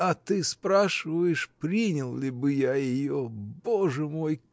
— А ты спрашиваешь, принял ли бы я ее! Боже мой!